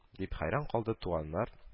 Дип, хәйран калды туганнар